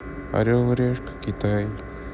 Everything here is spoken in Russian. орел и решка китай